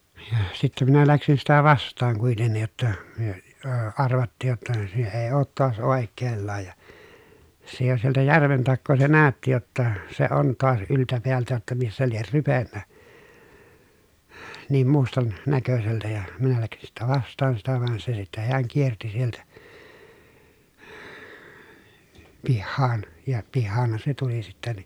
ja sitten minä lähdin sitä vastaan kuitenkin jotta me - arvattiin jotta se ei ole taas oikeallaan ja se jo sieltä järven takaa se näytti jotta se on taas yltä päältä jotta missä lie rypenyt niin - mustannäköiseltä ja minä lähdin sitten vastaan sitä vaan se sitten hän kiersi sieltä pihaan ja pihaanhan se tuli sitten niin